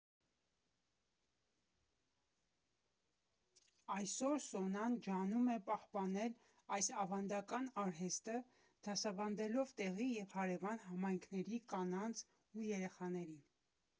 Այսօր Սոնան ջանում է պահպանել այս ավանդական արհեստը՝ դասավանդելով տեղի և հարևան համայնքների կանանց ու երեխաներին։